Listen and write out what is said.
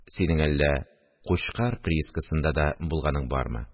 – синең әллә кучкар приискасында да булганың бармы